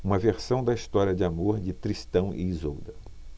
uma versão da história de amor de tristão e isolda